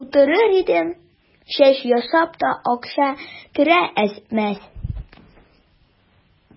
Утырыр идем, чәч ясап та акча керә әз-мәз.